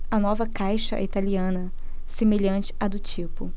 a nova caixa é italiana semelhante à do tipo